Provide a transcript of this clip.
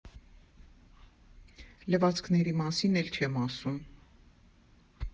Լվացքների մասին էլ չեմ ասում.